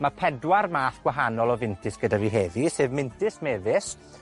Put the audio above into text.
Ma' pedwar math gwahanol o fintys gyda fi heddi, sef Mintys Mefus,